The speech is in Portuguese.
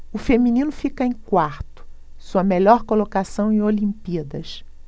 o feminino fica em quarto sua melhor colocação em olimpíadas